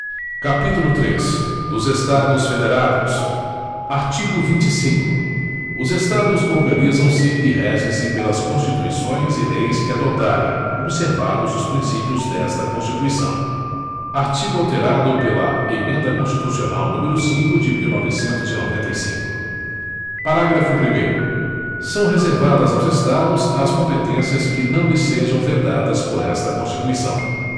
capítulo três dos estados federados artigo vinte e cinco os estados organizam se e regem se pelas constituições e leis que adotarem observados os princípios desta constituição artigo alterado pela emenda constitucional número cinco de mil novecentos e noventa e cinco parágrafo primeiro são reservadas aos estados as competências que não lhes sejam vedadas por esta constituição